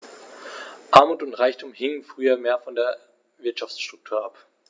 Armut und Reichtum hingen früher mehr von der Wirtschaftsstruktur ab.